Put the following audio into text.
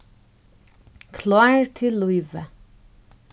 klár til lívið